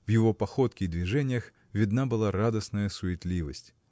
В его походке и движениях видна была радостная суетливость.